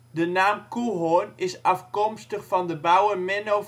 De naam Coehoorn is afkomstig van de bouwer Menno